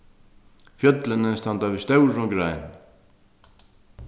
fjøllini standa við stórum greinum